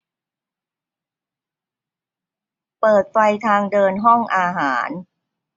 เปิดไฟทางเดินห้องอาหาร